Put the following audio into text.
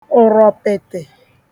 ụ̀rọ̀pị̀tị̀